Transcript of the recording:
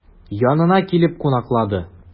Янына килеп кунаклады.